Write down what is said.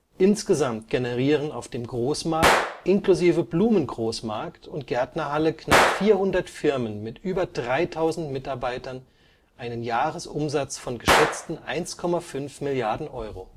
Insgesamt generieren auf dem Großmarkt inklusive Blumengroßmarkt und Gärtnerhalle knapp 400 Firmen mit über 3000 Mitarbeitern einen Jahresumsatz von geschätzten 1,5 Milliarden Euro